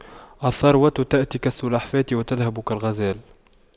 الثروة تأتي كالسلحفاة وتذهب كالغزال